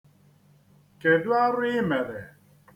Kedu arụ ị mere?